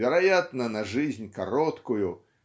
вероятно, на жизнь короткую